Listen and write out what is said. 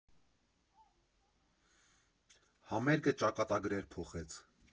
Համերգը ճակատագրեր փոխեց։